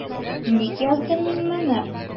Ник яздым мин моны?